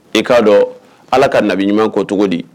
I ka dɔn ala ka nabi ɲuman ko cogo di?